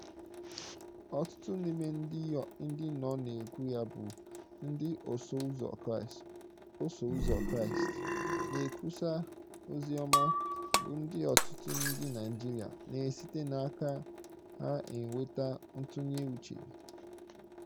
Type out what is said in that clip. Ọtụtụ n'ime ndị nọ n'ụkwụ ya bụ Ndị Osoụzọ Kraịstị na-ekwusa ozi ọma, bụ ndị ọtụtụ ndị Naịjirịa na-esite n'aka ha enweta ntụnye uche.